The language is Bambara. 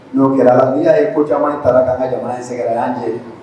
N'o kɛra n'i y'a ye ko caman taara ka jamana in sɛgɛrɛ